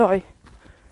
ddoe.